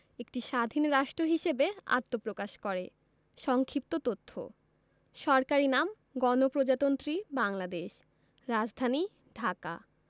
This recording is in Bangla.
একটি স্বাধীন রাষ্ট্র হিসেবে আত্মপ্রকাশ করে সংক্ষিপ্ত তথ্য সরকারি নামঃ গণপ্রজাতন্ত্রী বাংলাদেশ রাজধানীঃ ঢাকা